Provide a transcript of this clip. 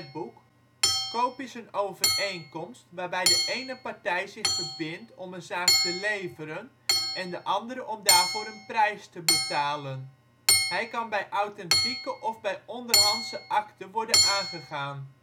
B.W.: Koop is een overeenkomst waarbij de ene partij zich verbindt om een zaak te leveren, en de andere om daarvoor een prijs te betalen. Hij kan bij authentieke of bij onderhandse akte worden aangegaan